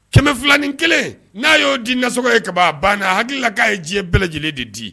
200 nin 1 n'a y'o di nasɔngɔ ye ka ban a baana a hakilila k'a ye diɲɛ bɛɛ lajɛlen de di.